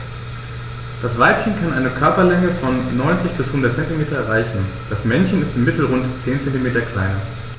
Das Weibchen kann eine Körperlänge von 90-100 cm erreichen; das Männchen ist im Mittel rund 10 cm kleiner.